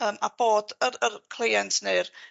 Yym a bod yr yr cleiant neu'r